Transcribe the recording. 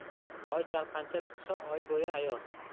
oy chalqancha tug'sa oy bo'yi ayoz